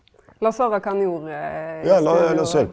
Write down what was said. la oss høyra kva han gjorde i studio.